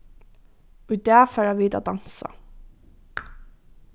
í dag fara vit at dansa